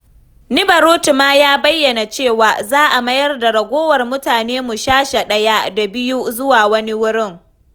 Nibarutu ma ya bayyana cewa, za a mayar da ragowar mutanen Mushasha I da II zuwa wani wurin.